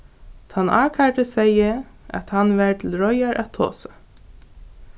tann ákærdi segði at hann var til reiðar at tosa